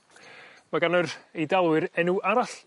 Ma' gan yr Eidalwyr enw arall